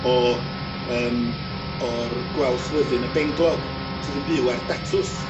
o yym o'r gwalchwyddyn y benglog sydd yn byw ar datws.